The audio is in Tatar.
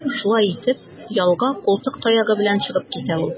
Шулай итеп, ялга култык таягы белән чыгып китә ул.